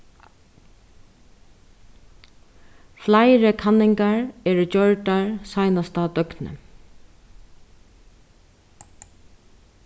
fleiri kanningar eru gjørdar seinasta døgnið